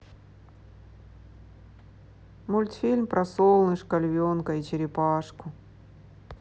мультфильм про солнышко львенка и черепашку